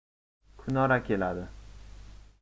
kunora keladi